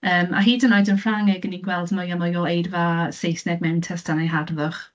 Yym, a hyd yn oed yn Ffrangeg, 'y ni'n gweld mwy a mwy o eirfa Saesneg mewn testunau harddwch.